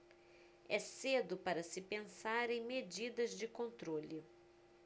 é cedo para se pensar em medidas de controle